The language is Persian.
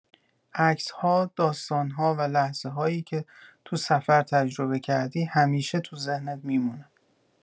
عکس‌ها، داستان‌ها و لحظه‌هایی که تو سفر تجربه کردی، همیشه تو ذهنت می‌مونه.